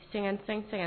Sɛgɛn- sɛgɛng